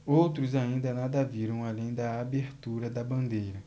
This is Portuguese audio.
outros ainda nada viram além da abertura da bandeira